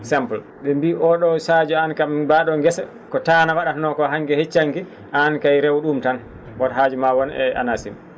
simple ?e mbi o?o Sadio an kam mbaa?o ngesa ko tane wa?atnoo koo hanki e hecci hanki aan kay rew?um tan wata haaju maa won e ANACIM